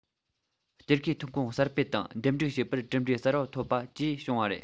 གཏེར ཁའི ཐོན ཁུངས གསར སྤེལ དང སྡེབ སྒྲིག བྱས པར གྲུབ འབྲས གསར པ ཐོབ པ བཅས བྱུང བ རེད